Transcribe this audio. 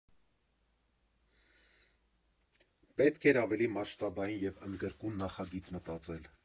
Պետք էր ավելի մասշտաբային և ընդգրկուն նախագիծ մտածել։